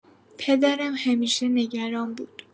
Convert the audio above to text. پدرم همیشه نگران بود.